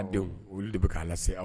Denw olu de bɛ kɛ' lase